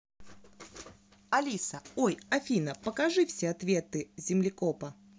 алиса ой афина покажи все ответы землекопа